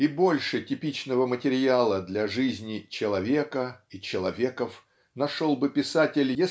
И больше типичного материала для жизни "Человека" и человеков нашел бы писатель